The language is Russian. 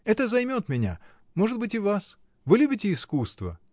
Это займет меня, может быть, и вас. Вы любите искусство?